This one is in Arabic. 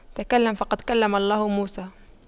تكلم فقد كلم الله موسى